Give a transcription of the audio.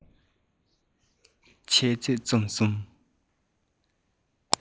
འཆད རྩོད རྩོམ གསུམ